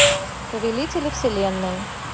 повелители вселенной